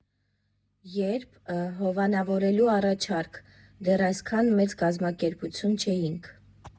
Ե՞րբ»֊ը հովանավորելու առաջարկ, դեռ այսքան մեծ կազմակերպություն չէինք։